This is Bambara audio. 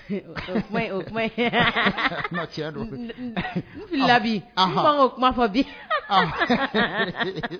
O kuma don la kuma fɔ bi